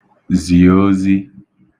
zì ozi